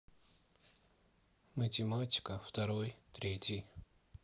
математика второй третий